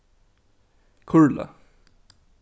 kurla